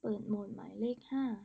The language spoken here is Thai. เปิดโหมดหมายเลขห้า